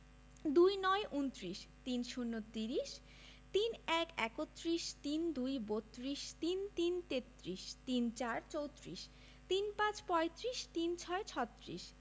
২৯ -ঊনত্রিশ ৩০ - ত্রিশ ৩১ - একত্রিশ ৩২ - বত্ৰিশ ৩৩ - তেত্রিশ ৩৪ - চৌত্রিশ ৩৫ - পঁয়ত্রিশ ৩৬ - ছত্রিশ